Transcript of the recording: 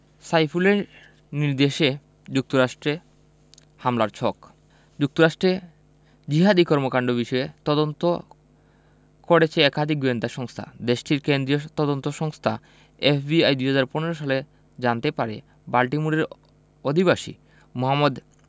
সাইফুলের নির্দেশে যুক্তরাষ্ট্রে হামলার ছক যুক্তরাষ্ট্রে জিহাদি কর্মকাণ্ড বিষয়ে তদন্ত করেছে একাধিক গোয়েন্দা সংস্থা দেশটির কেন্দ্রীয় তদন্ত সংস্থা এফবিআই ২০১৫ সালে জানতে পারে বাল্টিমোরের অধিবাসী মোহাম্মদ